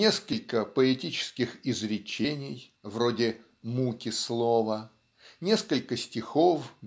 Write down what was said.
несколько поэтических изречений (вроде "муки слова") несколько стихов